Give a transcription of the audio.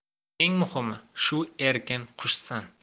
eng muximi shu erkin qushsan